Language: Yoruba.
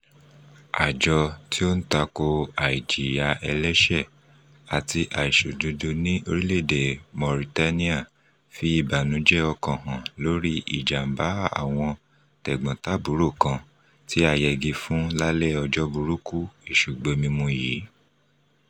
Àjọ tí ó ń tako àìjìyà ẹlẹ́ṣẹ̀ àti àìṣòdodo ní orílẹ̀-èdè Mauritania fi ìbànújẹ́ ọkàn hàn lórí ìjàm̀bá àwọn tẹ̀gbọ́n-tàbúrò kan tí a yẹgi fún lálẹ́ ọjọ́ burúkú Èṣù gbomi mu yìí: